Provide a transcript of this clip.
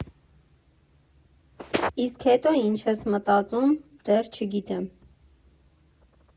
Իսկ հետո ինչ ես մտածում՝ դեռ չգիտեմ։